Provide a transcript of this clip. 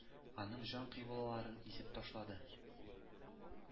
Аның җан кыйблаларын изеп ташлады,